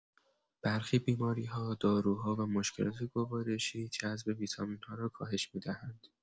برخی بیماری‌ها، داروها و مشکلات گوارشی، جذب ویتامین‌ها را کاهش می‌دهند.